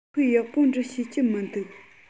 ཁོས ཡག པོ འབྲི ཤེས ཀྱི མི འདུག